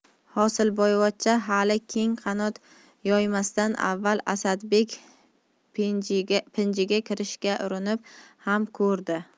hosilboyvachcha hali keng qanot yoymasdan avval asadbek pinjiga kirishga urinib ham ko'rdi